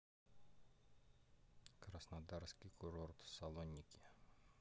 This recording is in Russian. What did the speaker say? краснодарский курорт салоники